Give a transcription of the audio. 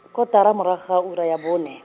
kotara morago ga ura ya bone.